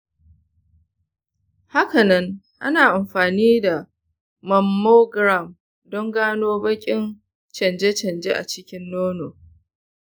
hakanan ana amfani da mammogram don gano baƙin canje-canje a cikin nono.